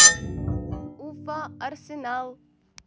уфа арсенал